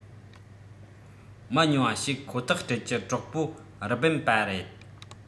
མི ཉུང བ ཞིག ཁོ ཐག སྤྲད ཀྱི གྲོགས པོ རི པིན པ རེད